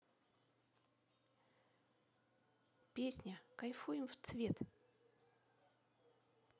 песня кайфуем в цвет